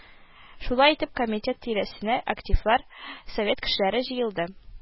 Шулай итеп, комитет тирәсенә активлар, совет кешеләре җыелды